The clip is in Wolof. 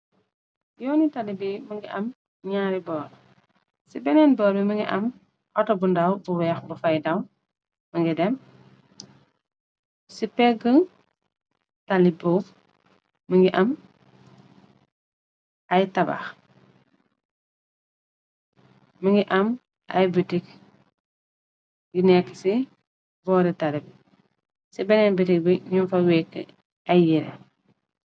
Yooni tali bi më ngi am gñaari boor ci beneen boor bi mingi am ato bu ndaw bu weex bu fay daw mangi dem ci peggu talib buuf mngi am ay tabax mi ngi am ay bitik gi nekk ci voori tali bi ci beneen bitik bi ñu fa wekk ay yire.